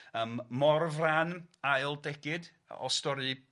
Yym Morfran Ail Degid yy o stori